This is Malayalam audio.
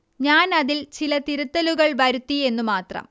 ഞാനതിൽ ചില തിരുത്തലുകൾ വരുത്തി എന്നു മാത്രം